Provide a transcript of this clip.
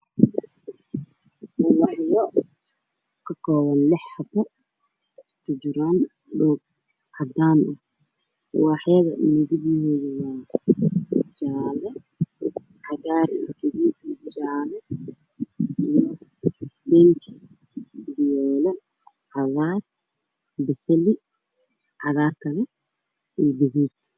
Waa ubaxyo lix xabo ah oo kujiraan dhoob cadaan ah, ubaxyadu midabkoodu waa jaale cadaan iyo gaduud, bingi, cagaar iyo basali.